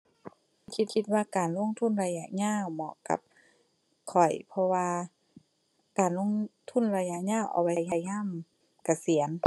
คิดคิดว่าการลงทุนระยะยาวเหมาะกับข้อย เพราะว่าการลงทุนระยะยาวเอาไว้ให้ยามเกษียณ